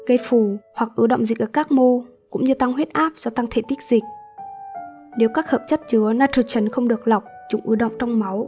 gây phù hoặc ứ đọng dịch ở các mô cũng như tăng huyết áp do tăng thể tích dịch nếu các hợp chất chứa nitrogen không được lọc chúng ứ đọng trong máu